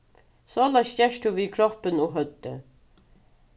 soleiðis gert tú við kroppin og høvdið